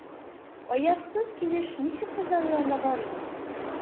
Аяксыз килеш ничек кызлар янына барыйм, ди?